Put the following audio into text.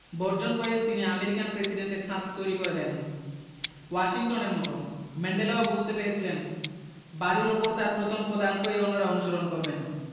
বর্জন করে তিনি আমেরিকান প্রেসিডেন্টের ছাঁচ তৈরি করে দেন ওয়াশিংটনের মতো ম্যান্ডেলাও বুঝতে পেরেছিলেন বালির ওপর তাঁর প্রথম পদাঙ্কই অন্যেরা অনুসরণ করবেন